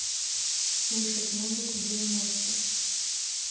слушать музыку девяностых